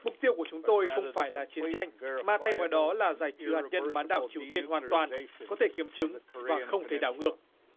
mục tiêu của chúng tôi không phải là chiến tranh mà thay vào đó là giải trừ hạt nhân bán đảo triều tiên hoàn toàn có thể kiểm chứng và không thể đảo ngược